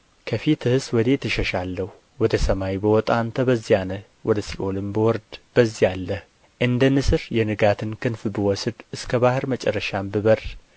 ከፊትህስ ወዴት እሸሻለሁ ወደ ሰማይ ብወጣ አንተ በዚያ አለህ ወደ ሲኦልም ብወርድ በዚያ አለህ እንደ ንስር የንጋትን ክንፍ ብወስድ እስከ ባሕር መጨረሻም ብበርር